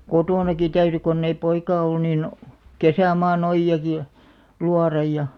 kotonakin täytyi kun ei poikaa ollut niin kesämaan ojiakin ja luoda ja